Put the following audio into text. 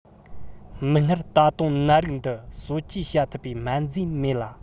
མིག སྔར ད དུང ནད འདི གསོ བཅོས བྱ ཐུབ པའི སྨན རྫས མེད ལ